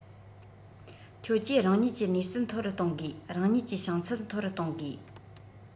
ཁྱོད ཀྱིས རང ཉིད ཀྱི ནུས རྩལ མཐོ རུ གཏོང དགོས རང ཉིད ཀྱི བྱང ཚད མཐོ རུ གཏོང དགོས